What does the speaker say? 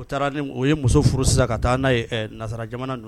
U taara u ye muso furu sisan ka taa n'a ye nasa jamana don